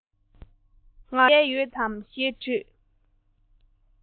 ང རང གང ན བསྡད ཡོད དམ ཞེས དྲིས